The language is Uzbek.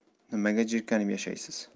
nimaga jirkanib yashaysiz